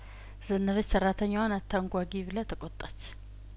ዘነበች ሰራተኛዋን አታንጓጉ ብላ ተቆጣች